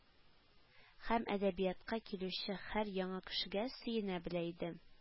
Һәм әдәбиятка килүче һәр яңа кешегә сөенә белә иде